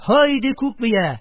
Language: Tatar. Һайди, күк бия!..